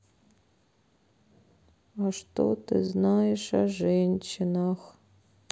а что ты знаешь о женщинах